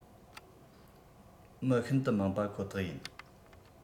མི ཤིན ཏུ མང པ ཁོ ཐག ཡིན